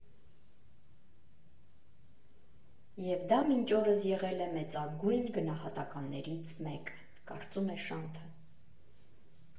Եվ դա մինչ օրս եղել է մեծագույն գնահատականներից մեկը»,֊ կարծում է Շանթը։